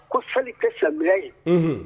Ko seli kɛ sa ye